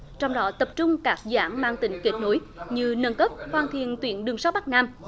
trong đó tập trung các dự án mang tính kết nối như nâng cấp hoàn thiện tuyến đường sắt bắc nam